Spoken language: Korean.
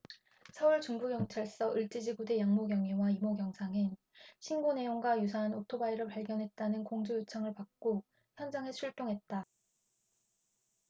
서울중부경찰서 을지지구대 양모 경위와 이모 경장은 신고 내용과 유사한 오토바이를 발견했다는 공조 요청을 받고 현장에 출동했다